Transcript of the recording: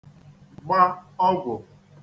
gba ọgwụ̀